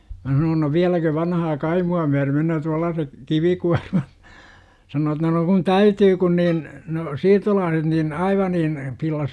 minä sanoin no vieläkö vanhaa kaimoa myöden menee tuollaiset kivikuormat sanoo että no kun täytyy kun niin no siirtolaiset niin aivan niin pillasi